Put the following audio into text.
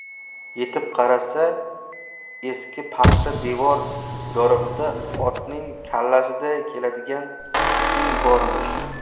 yetib qarasa eski paxsa devor yorig'ida otning kallasiday keladigan in bormish